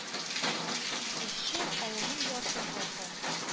Эшче, авылның ярты халкын